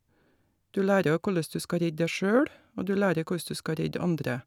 Du lærer òg korleis du skal redde deg sjøl, og du lærer koss du skal redde andre.